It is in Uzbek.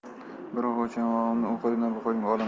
bir hovuch yong'og'imni u qo'limdan bu qo'limga olaman